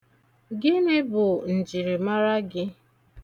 Gịnị bụ njirimara gị?